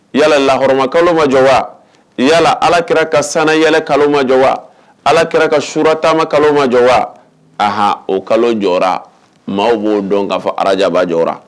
Yalalahama kalo majɔwa yala ala kɛra ka sany kalo majɔwa ala kɛra ka suratama kalo majɔwa ah o kalo jɔ maaw b'o dɔn k'a fɔ araja jɔyara